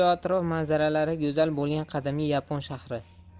atrof manzaralari go'zal bo'lgan qadimgi yapon shahri